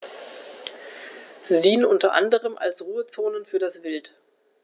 Sie dienen unter anderem als Ruhezonen für das Wild.